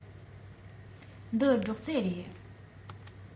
འདི སྒྲོག རྩེ རེད